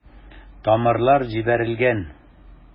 Тамырлар җибәрелгән.